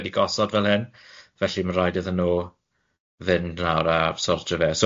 wedi gosod fel hyn, felly mae'n rhaid iddyn nw fynd nawr a sortio fe.